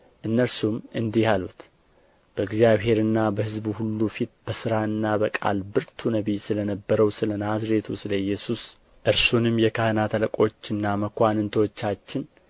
እነርሱም እንዲህ አሉት በእግዚአብሔርና በሕዝቡ ሁሉ ፊት በሥራና በቃል ብርቱ ነቢይ ስለ ነበረው ስለ ናዝሬቱ ስለ ኢየሱስ እርሱንም የካህናት አለቆችና መኳንንቶቻችን